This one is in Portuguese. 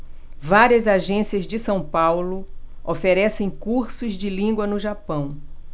várias agências de são paulo oferecem cursos de língua no japão